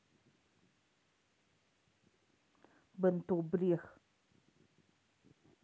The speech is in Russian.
бенто брех